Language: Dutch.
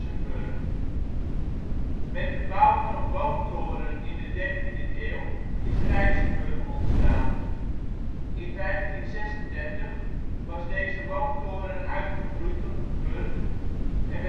de bouw van een woontoren in de dertiende eeuw is Rijsenburg ontstaan. In 1536 was deze woontoren uitgegroeid tot een burcht en